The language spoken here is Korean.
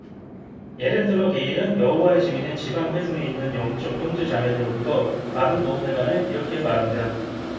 예를 들어 게일은 여호와의 증인의 지방 회중에 있는 영적 형제 자매들로부터 받은 도움에 관해 이렇게 말합니다